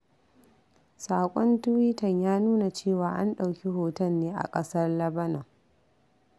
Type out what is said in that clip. Saƙon tuwitan ya nuna cewa an ɗauki hoton ne a ƙasar Lebanon.